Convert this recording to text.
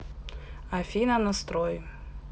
афина настрой